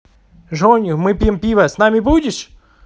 johnny мы пьем пиво с нами будешь